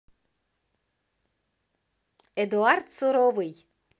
эдуард суровый